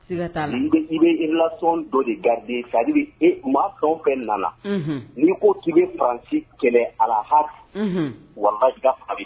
Sika t'a la I bɛ relation dɔ de garder c'est à dire ma fɛn o fɛn nana ni ko i bɛ faransi kɛlɛ a la hate wallahi i ka fanga bɛ